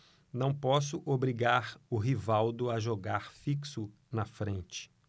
não posso obrigar o rivaldo a jogar fixo na frente